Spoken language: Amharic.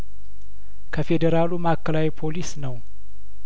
ከፌዴራሉ ማእከላዊ ፖሊስ ነው